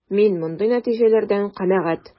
Мин мондый нәтиҗәләрдән канәгать.